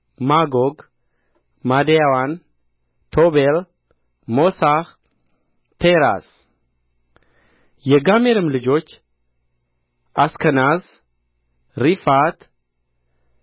ማጎግ ማዴ ያዋን ቶቤል ሞሳሕ ቴራስ የጋሜርም ልጆች አስከናዝ ሪፋት